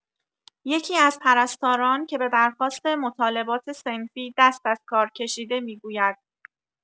یکی‌از پرستاران که به درخواست مطالبات صنفی دست از کار کشیده می‌گوید